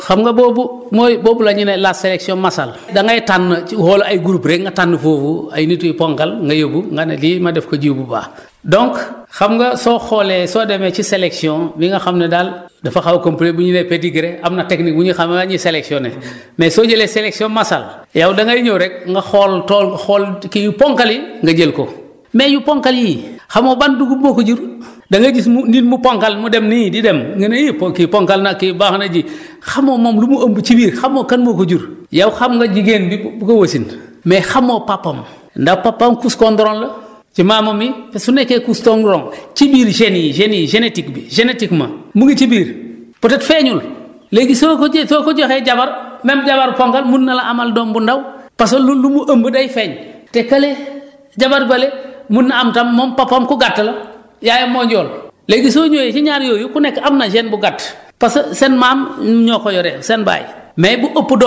bon xam nga boobu mooy boobu la ñu ne la selection massal da ngay tànn ci xool ay groupe rek nga tànn foofu ay nit yu ponkal nga yóbbu nga ne lii ma def ko jiw bu baax donc xam nga soo xoolee soo demee si selection bi nga xam ne daal dafa xaw a compli bu ñu nee petit grain am na technique bu ñu avant ñuy selectioné mais soo jëlee sélection massal yow da ngay ñëw rek nga xool tool xool kii yu ponkal yi nga jël ko mais yu ponkal yii xamoo ban dugub moo ko jur da ngay gis mu nit mu ponkal mu dem nii di dem nga ne ii moo kii ponkal na kii baax na ji xamoo moom lu mu mb ci biir xamoo kan moo ko jur yow xam nga jigéen bi ko wësin mais xamoo papaam ndax papaam kuus kondoroŋ la ci maamaam yi te su nekkee kuus kondoroŋ ci biir gène yi génétique bi génétiquqemnt mu ngi ci biir peut être feeñul léegi soo ko je soo ko joxee jabar même jabar ponkal mën na la amal doom bu ndaw parce lu lu mu ëmb day feeñ te kële jabar bële mën na am i tam moom papaam ku gàtt la yaayam moo ñool léegi soo ñëwee si ñaar yooyu ku nekk am na gène bu gàtt parce que seen maam ñoo ko yore seen baay